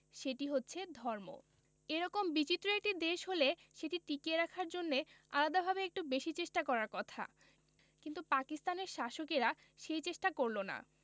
সেটি হচ্ছে ধর্ম এরকম বিচিত্র একটি দেশ হলে সেটি টিকিয়ে রাখার জন্যে আলাদাভাবে একটু বেশি চেষ্টা করার কথা কিন্তু পাকিস্তানের শাসকেরা সেই চেষ্টা করল না